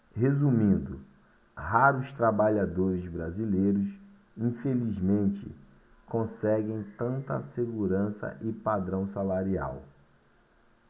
resumindo raros trabalhadores brasileiros infelizmente conseguem tanta segurança e padrão salarial